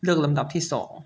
เลือกลำดับที่สอง